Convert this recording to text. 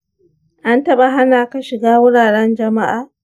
an taɓa hana ka shiga wuraren jama’a?